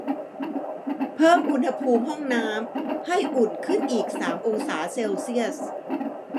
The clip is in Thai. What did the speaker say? เพิ่มอุณหภูมิห้องน้ำให้อุ่นขึ้นอีกสามองศาเซลเซียส